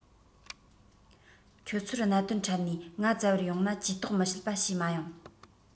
ཁྱེད ཚོར གནད དོན འཕྲད ནས ང བཙལ བར ཡོང ན ཇུས གཏོགས མི བྱེད པ བྱས མ ཡོང